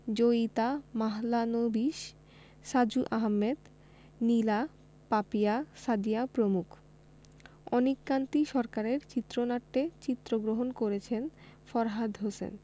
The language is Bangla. জয়িতা মাহলানোবিশ সাজু আহমেদ নীলা পাপিয়া সাদিয়া প্রমুখ অনিক কান্তি সরকারের চিত্রনাট্যে চিত্রগ্রহণ করেছেন ফরহাদ হোসেন